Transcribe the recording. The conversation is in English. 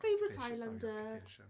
Favourite Islander.